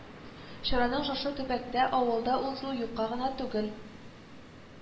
Чараның шушы төбәктә, авылда узуы юкка гына түгел